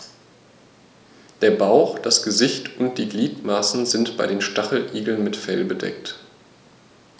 Der Bauch, das Gesicht und die Gliedmaßen sind bei den Stacheligeln mit Fell bedeckt.